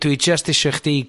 Dwi jyst isio chdi